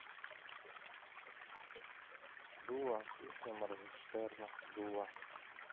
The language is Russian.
дуло песня моргенштерна дуло